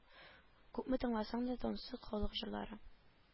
Күпме тыңласаң да тансык халык җырлары